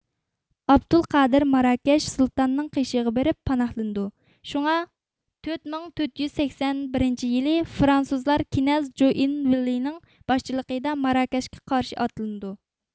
ئابدۇل قادىر ماراكەش سۇلتانىنىڭ قېشىغا بېرىپ پاناھلىنىدۇ شۇڭا تۆت مىڭ تۆت يۈز سەكسەن بىرىنچى يىلى فرانسۇزلار كېنەز جوئىنۋىلېنىڭ باشچىلىقىدا ماراكەشكە قارشى ئاتلىنىدۇ